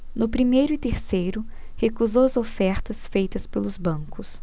no primeiro e terceiro recusou as ofertas feitas pelos bancos